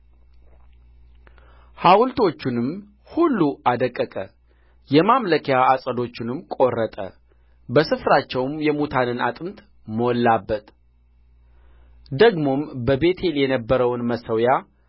ሐውልቶቹንም ሁሉ አደቀቀ የማምለኪያ ዐፀዶቹንም ቈረጠ በስፍራቸውም የሙታንን አጥንት ሞላበት ደግሞም በቤቴል የነበረውን መሠዊያ